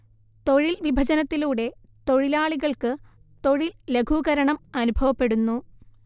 തൊഴിൽ വിഭജനത്തിലൂടെ തൊഴിലാളികൾക്ക് തൊഴിൽ ലഘൂകരണം അനുഭവപ്പെടുന്നു